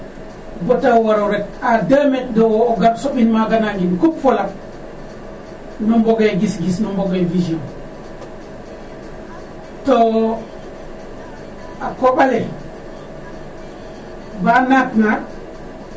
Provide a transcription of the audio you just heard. bata war o ret a deux métre de haut o gar soɓin maga nangi kup fo laɓ nu mbogee giss giss nu mbogee vision to a koƥ ale ba naatna.